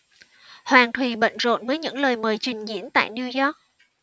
hoàng thùy bận rộn với những lời mời trình diễn tại new york